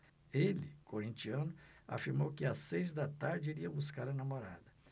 ele corintiano afirmou que às seis da tarde iria buscar a namorada